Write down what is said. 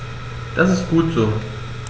Das ist gut so.